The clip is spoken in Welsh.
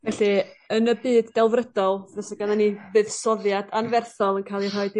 Felly yn y byd delfrydol fysa gennon ni fuddsoddiad anferthol yn ca'l 'i rhoid i